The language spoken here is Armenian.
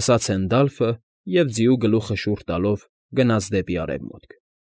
ասաց Հենդալֆը և, ձիու գլուխը շուռ տալով, գնաց դեպի Արևմուտք։